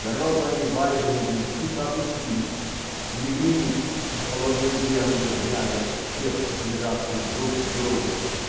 Де Роба и Вайблинген тихо опустились и легли ниц на холодную землю рядом, тесно прижавшись друг к другу.